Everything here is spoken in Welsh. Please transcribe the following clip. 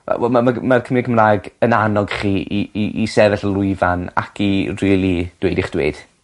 we- ma' ma' ma'r Cymry Cymraeg yn annog chi i i i sefyll y lwyfan ac i rili dweud eich dweud.